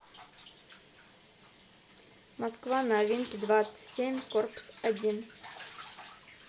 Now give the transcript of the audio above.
москва новинки двадцать семь корпус один